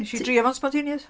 Wnes i drio fo'n sbontaneous